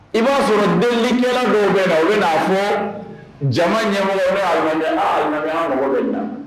I b'a sɔrɔ deelikɛla dɔw bɛ na u bɛ n'a fɔ jama ɲɛmɔgɔ n'o ye alimami ye aa alimami an' mago bɛ nin na